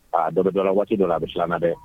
Aa dɔ bɛ dɔ waati dɔ la a bɛ tila an na dɛ